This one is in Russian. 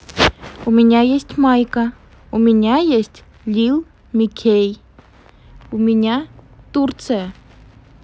у меня есть майка у меня есть lil mikey у меня турция